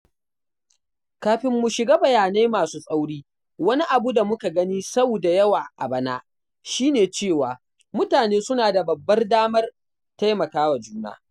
Kafin mu shiga bayanai masu tsauri, wani abu da muka gani sau da yawa a bana shi ne cewa mutane suna da babbar damar taimaka wa juna.